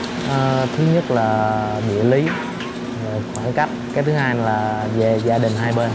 ơ thứ nhất là địa lí khoảng cách cái thứ hai là về gia đình hai bên